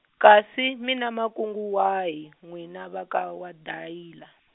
kasi mi na makungu wahi n'wina va ka waDayila?